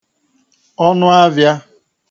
ọnụavịa